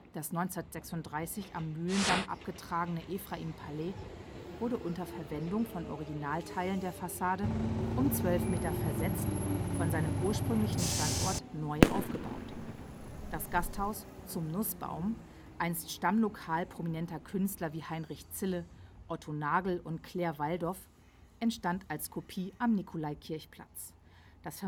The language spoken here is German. Das 1936 am Mühlendamm abgetragene Ephraim-Palais wurde unter Verwendung von Originalteilen der Fassade um zwölf Meter versetzt von seinem ursprünglichen Standort neu aufgebaut. Das Gasthaus Zum Nußbaum, einst Stammlokal prominenter Künstler wie Heinrich Zille, Otto Nagel und Claire Waldoff, entstand als Kopie am Nikolaikirchplatz; das